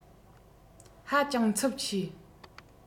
ཧ ཅང འཚུབ ཆེ